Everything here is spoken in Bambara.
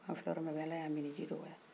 an filɛ yɔrɔ min bi ala ye a minniji dɔgɔya